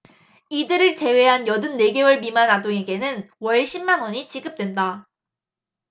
이들을 제외한 여든 네 개월 미만 아동에게는 월 십 만원이 지급된다